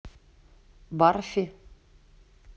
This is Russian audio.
барфи